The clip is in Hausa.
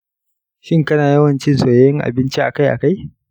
shin kana yawan cin soyayyen abinci akai-akai?